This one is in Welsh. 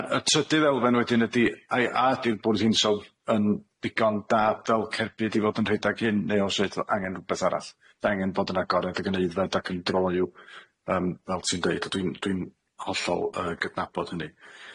A y trydydd elfen wedyn ydi ai a ydi'r bwrdd hinsawdd yn digon da fel cerbyd i fod yn rhedag hyn neu os oed angen rwbeth arall ma' angen bod yn agored ag yn euddfed ac yn dryloyw yym fel ti'n deud dwi'n dwi'n hollol yy gydnabod hynny.